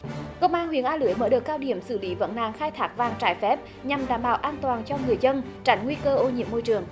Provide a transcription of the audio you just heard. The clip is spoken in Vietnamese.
công an huyện a lưới mở đợt cao điểm xử lý vấn nạn khai thác vàng trái phép nhằm đảm bảo an toàn cho người dân tránh nguy cơ ô nhiễm môi trường